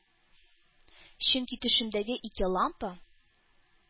Чөнки түшәмдәге ике лампа